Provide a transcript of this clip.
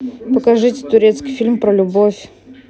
покажите турецкий фильм про любовь